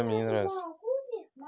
смотреть вести фм